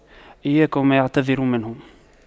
إياك وما يعتذر منه